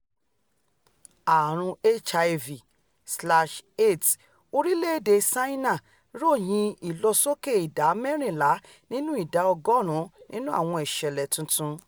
Ààrùn HIV/Aids: Orilẹ̵-ede Ṣáínà ròyìn ìlọsókè ìdá mẹ́rìnlá nínú ìdá ọgọ́ọ̀rún nínú àwọn ìṣẹ̀lẹ̀ tuntun